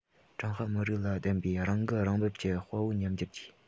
ཀྲུང ཧྭ མི རིགས ལ ལྡན པའི རང བཀུར རང འབད ཀྱི དཔའ བོའི ཉམས འགྱུར གྱིས